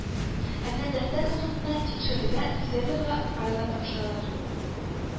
Ә менә дәфтәр урынына тикшерергә серверга файллар тапшыралар